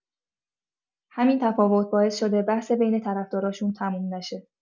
همین تفاوت باعث شده بحث بین طرفداراشون تموم نشه.